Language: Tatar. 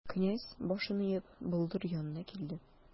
Князь, башын иеп, болдыр янына килде.